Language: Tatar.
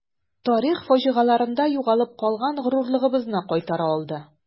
Тарих фаҗигаларында югалып калган горурлыгыбызны кайтара алды.